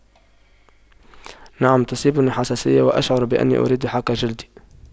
نعم تصيبني حساسية وأشعر بأني اريد حك جلدي